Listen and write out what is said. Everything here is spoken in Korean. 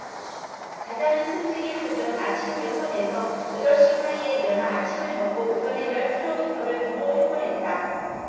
자자는 숨지기 하루 전 아침 여섯 에서 여덟 시 사이에 일어나 아침을 먹고 오전에 열 키로미터를 도보 행군했다